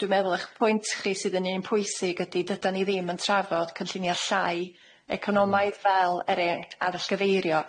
Dwi meddwl 'ych pwynt chi sydd yn un pwysig ydi, dydan ni ddim yn trafod cynllunia' llai economaidd fel er eng- arallgyfeirio.